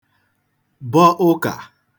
bọ ụka